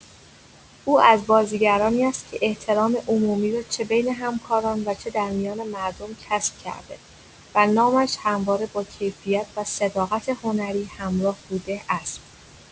او از بازیگرانی است که احترام عمومی را چه بین همکاران و چه در میان مردم کسب کرده و نامش همواره باکیفیت و صداقت هنری همراه بوده است.